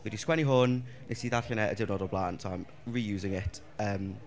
fi 'di sgwennu hwn. Wnes i ddarllen e y diwrnod o'r blaen. So I'm reusing it yym...